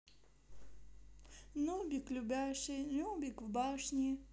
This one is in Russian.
нубик любаши нубик в башни